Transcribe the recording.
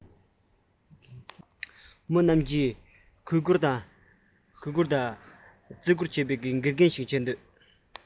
མི རྣམས ཀྱིས གུས བཀུར ཡིད རང ཞུ གུས བཀུར ཡིད རང ཞུ བའི མི དམངས བཤེས གཉེན ཞིག བྱེད འདོད པ ཡིན